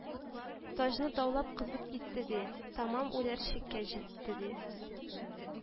Таҗны даулап кызып китте, ди, тәмам үләр чиккә җитте, ди